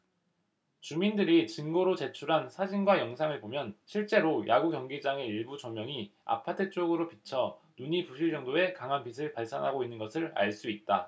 주민들이 증거로 제출한 사진과 영상을 보면 실제로 야구경기장의 일부 조명이 아파트 쪽으로 비쳐 눈이 부실 정도의 강한 빛을 발산하고 있는 것을 알 수 있다